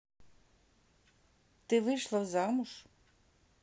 ты вышла замуж